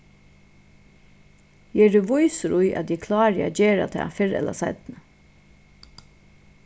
eg eri vísur í at eg klári at gera tað fyrr ella seinni